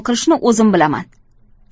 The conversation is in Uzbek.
qilishni o'zim bilaman